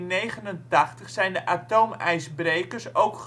1989 zijn de atoomijsbrekers ook